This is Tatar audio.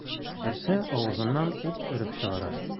Берсе авызыннан ут өреп чыгара.